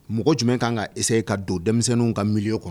Mɔgɔ jumɛn kaan ka essayer ka don denmisɛnninw ka milieu kɔ